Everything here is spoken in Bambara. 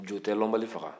jo tɛ dɔnbali faga